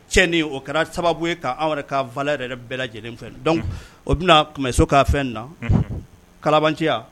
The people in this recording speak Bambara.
Cɛ o kɛra sababu ye' anw yɛrɛ' v yɛrɛ bɛɛ lajɛlen o bɛna tun bɛ so k'a fɛn na kalabanya